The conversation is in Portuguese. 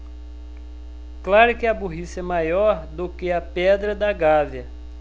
claro que a burrice é maior do que a pedra da gávea